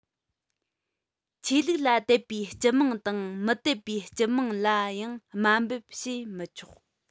ཆོས ལུགས ལ དད པའི སྤྱི དམངས དང མི དད པའི སྤྱི དམངས ལ ཡང དམའ འབེབས བྱས མི ཆོག